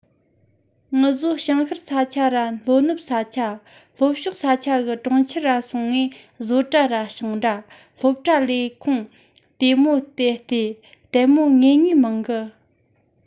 ངུ བཟོ བྱང ཤར ས ཆ ར ལྷོ ནུབ ས ཆ ལྷོ ཕྱོགས ས ཆ གི གྲོང ཁྱེར ར སོང ངས བཟོ གྲྭ ར ཞིང ར སློབ གྲྭ ལས ཁུངས དེ མོ དེ བལྟས ལྟད མོ ངེས ངེས མང གི